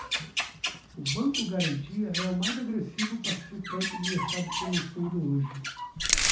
o banco garantia é o mais agressivo participante do mercado financeiro hoje